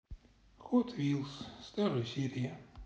хот вилс старые серии